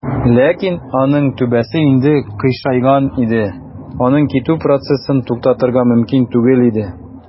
Ләкин аның түбәсе инде "кыйшайган" иде, аның китү процессын туктатырга мөмкин түгел иде.